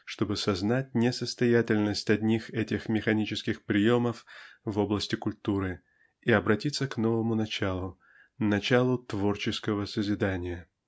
чтобы сознать несостоятельность одних этих механических приемов в области культуры и обратиться к новому началу--началу творческого созидания.